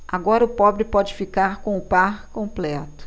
agora o pobre pode ficar com o par completo